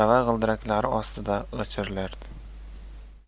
arava g'ildiraklari ostida g'ichirlardi